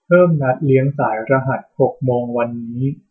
เพิ่มนัดเลี้ยงสายรหัสหกโมงวันนี้